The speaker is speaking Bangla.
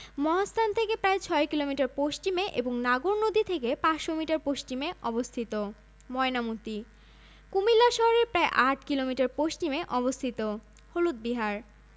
ইউনিয়ন ৪হাজার ৪৯৮টি মৌজা ৫৯হাজার ৯৯০টি গ্রাম ৮৭হাজার